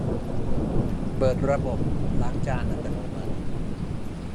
เปิดระบบล้างจานอัตโนมัติ